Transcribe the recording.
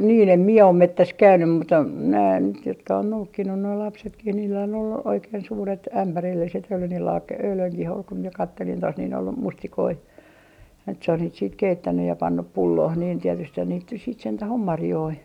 niin en minä ole metsässä käynyt mutta nämä nyt jotka on noukkinut nuo lapsetkin niillä on ollut oikein suuret ämpärilliset ja oli niillä - eilenkin oli kun minä katselin tuossa niin oli mustikoita ja nyt se on niitä sitten keittänyt ja pannut pulloon niin tietystihän niitä nyt sitten sentään on marjoja